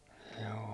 joo